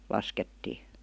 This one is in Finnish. laskettiin